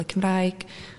Coleg Cymraeg